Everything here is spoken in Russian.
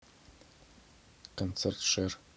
концерт шэр